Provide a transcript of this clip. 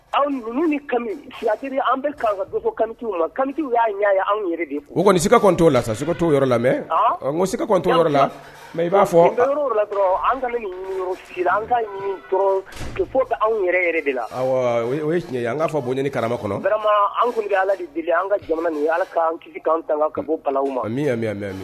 Anw nimi an kami mami u y'a yɛrɛ o kɔni sikatɔn la sa seka t' yɔrɔ lamɛn kosikatɔn la mɛ i b'a fɔ anw yɛrɛ de la an'a fɔ bon ɲini ni kalama kɔnɔ an ka jamana alaan ki ka bɔ ma mɛ